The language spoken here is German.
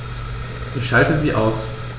Ich schalte sie aus.